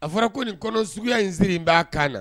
A fɔra ko nin kɔnɔ suguya in siri b'a kan na!